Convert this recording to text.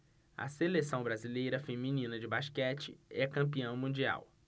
a seleção brasileira feminina de basquete é campeã mundial